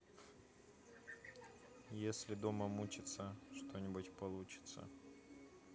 если дома мучиться что нибудь получится